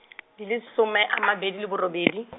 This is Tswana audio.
di le some a mabedi le borobedi .